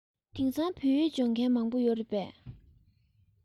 དེང སང བོད ཡིག སྦྱོང མཁན མང པོ ཡོད རེད པས